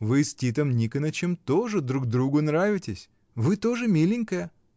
— Вы с Титом Никонычем тоже друг другу нравитесь, вы тоже миленькая.